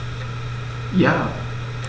Ja.